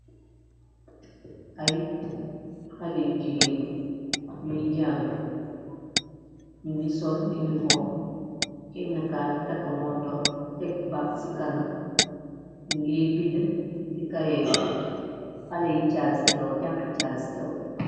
Ay haley yu jigéen yi jàng nungi sol uniform. Kenen ka ngi takk montorr, tekk bag ci kanam. Nungè bindd ci kayè bi. Haley chalisjaw, jànghar chalisjaw yi.